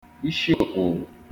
ishiòkpòghò